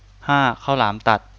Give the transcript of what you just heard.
ห้าข้าวหลามตัด